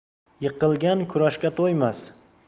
yiqilgan kurashga to'ymas